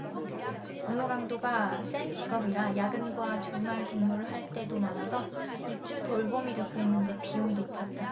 업무 강도가 센 직업이라 야근과 주말근무를 할 때도 많아서 입주돌보미를 구했는데 비용이 높았다